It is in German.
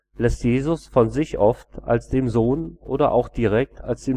lässt Jesus von sich oft als „ dem Sohn “oder auch direkt als